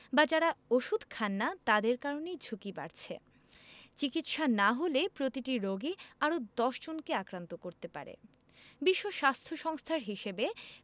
বা যারা ওষুধ খান না তাদের কারণেই ঝুঁকি বাড়ছে চিকিৎসা না হলে প্রতিটি রোগী আরও ১০ জনকে আক্রান্ত করাতে পারে বিশ্ব স্বাস্থ্য সংস্থার হিসেবে